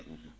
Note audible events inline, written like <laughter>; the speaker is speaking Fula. <hesitation> <hesitation>